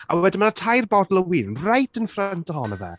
A wedyn mae ‘na tair botel o win reit in front ohono fe.